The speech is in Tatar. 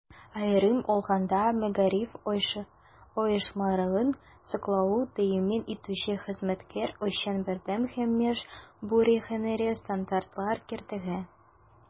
Аерым алганда, мәгариф оешмаларын саклауны тәэмин итүче хезмәткәр өчен бердәм һәм мәҗбүри һөнәри стандартлар кертергә.